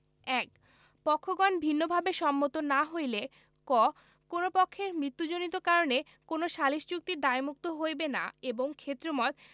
১ পক্ষগণ ভিন্নভাবে সম্মত না হইলে ক কোন পক্ষের মৃত্যুজনিত কারণে কোন সালিস চুক্তি দায়মুক্ত হইবে না এবং ক্ষেত্রমত